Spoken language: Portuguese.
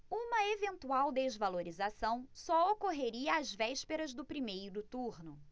uma eventual desvalorização só ocorreria às vésperas do primeiro turno